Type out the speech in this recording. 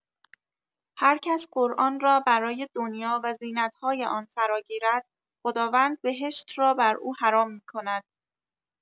هر کس قرآن را برای دنیا و زینت‌های آن فراگیرد، خداوند بهشت را بر او حرام می‌کند.